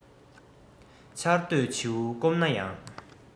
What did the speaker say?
ཆར འདོད བྱེའུ སྐོམ ན ཡང